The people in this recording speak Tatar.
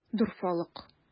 Дорфалык!